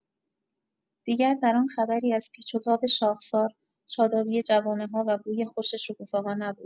دیگر در آن خبری از پیچ و تاب شاخسار، شادابی جوانه‌ها و بوی خوش شکوفه‌ها نبود.